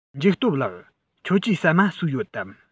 འཇིགས སྟོབས ལགས ཁྱོད ཀྱིས ཟ མ ཟོས ཡོད དམ